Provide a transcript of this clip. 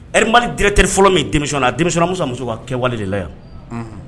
Dɛrɛtɛ fɔlɔ min denmisɛnmina denmisɛnmimusomuso ka kɛwale de la yan